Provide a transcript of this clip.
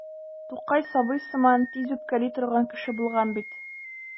Тукай сабый сыман тиз үпкәли торган кеше булган бит.